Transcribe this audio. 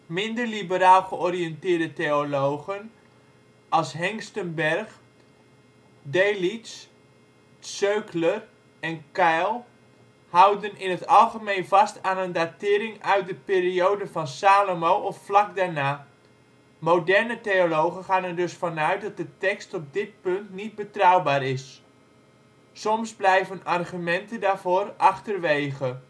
Minder liberaal georiënteerde theologen als Hengstenberg, Delitzsch, Zöckler en Keil houden in het algemeen vast aan een datering uit de periode van Salomo of vlak daarna. Moderne theologen gaan er dus vanuit dat de tekst op dit punt niet betrouwbaar is. Soms blijven argumenten daarvoor achterwege